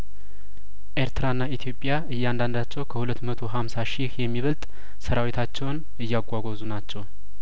ኤርትራና ኢትዮጵያእያንዳንዳቸው ከሁለት መቶ ሀምሳ ሺህ የሚበልጥ ሰራዊታቸውን እያጓጓዙ ናቸው